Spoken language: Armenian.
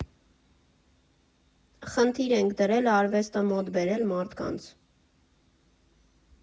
Խնդիր ենք դրել արվեստը մոտ բերել մարդկանց։